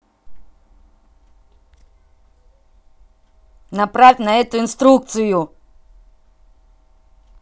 направь на эту инструкцию